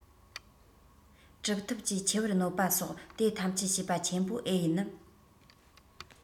གྲུབ ཐོབ ཀྱི ཆེ བར གནོད པ སོགས དེ ཐམས ཅད བྱས པ ཆེན པོ ཨེ ཡིན ནམ